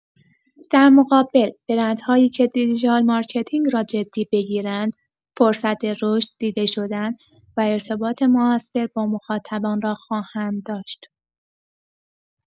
در مقابل، برندهایی که دیجیتال مارکتینگ را جدی بگیرند، فرصت رشد، دیده شدن و ارتباط مؤثر با مخاطبان را خواهند داشت.